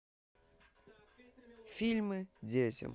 фильмы детям